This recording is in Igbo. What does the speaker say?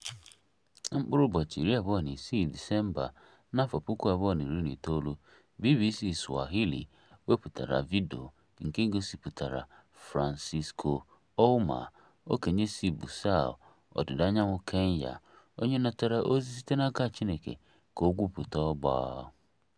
Na Disemba 26, 2019, BBC Swahili wepụtara vidiyo nke gosipụtara Francisco Ouma, okenye si Busia, ọdịda anyanwụ Kenya, onye natara ozi sitere n'aka Chineke ka ọ gwupụta ọgba.